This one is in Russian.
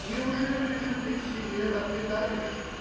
Неужели же ты сие отметаешь?